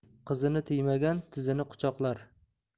qizini tiymagan tizini quchoqlar